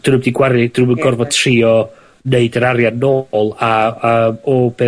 'dyn nw'm 'di gwario 'dyn nw'm yn gorfod trio neud yr arian nôl a a o be'